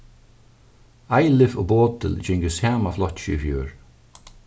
eilif og bodil gingu í sama flokki í fjør